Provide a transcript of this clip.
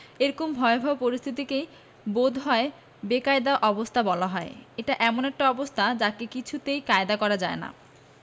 এরকম ভয়াবহ পরিস্থিতিকেই বোধ হয় বেকায়দা অবস্থা বলা হয় এটা এমন একটা অবস্থা যাকে কিছুতেই কায়দা করা যায় না